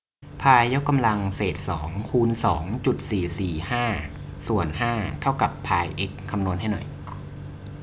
พายยกกำลังเศษสองคูณสองจุดสี่สี่ห้าส่วนห้าเท่ากับพายเอ็กซ์คำนวณให้หน่อย